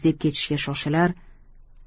deb ketishga shoshilar